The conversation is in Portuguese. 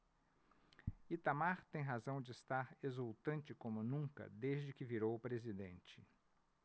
itamar tem razão de estar exultante como nunca desde que virou presidente